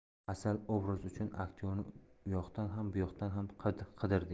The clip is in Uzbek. asal obrazi uchun aktyorni uyoqdan ham buyoqdan ham qidirdik